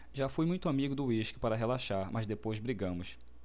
já fui muito amigo do uísque para relaxar mas depois brigamos